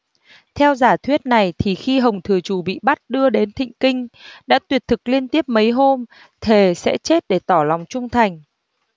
theo giải thuyết này thì khi hồng thừa trù bị bắt đưa đến thịnh kinh đã tuyệt thực liên tiếp mấy hôm thề sẽ chết để tỏ lòng trung thành